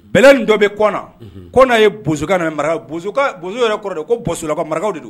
Bɛlɛni dɔ bɛ kɔnɔ kɔna ye bosokan na , maraka boso kan , boso yɛrɛ kɔrɔ de ye ko bɔsolakaw marakaw de don!